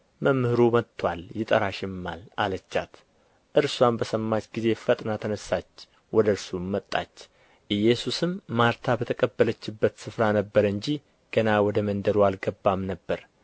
መምህሩ መጥቶአል ይጠራሽማል አለቻት እርስዋም በሰማች ጊዜ ፈጥና ተነሣች ወደ እርሱም መጣች ኢየሱስም ማርታ በተቀበለችበት ስፍራ ነበረ እንጂ ገና ወደ መንደሩ አልገባም ነበር